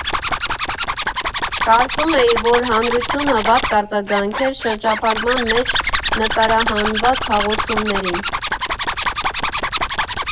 Կարծում էի, որ հանրությունը վատ կարձագանքեր շրջափակման մեջ նկարահանված հաղորդումներին։